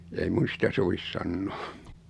ei minun sitä sovi sanoa